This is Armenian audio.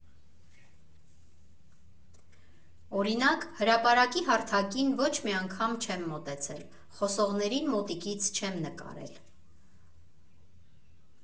Օրինակ՝ հրապարակի հարթակին ոչ մի անգամ չեմ մոտեցել, խոսողներին մոտիկից չեմ նկարել։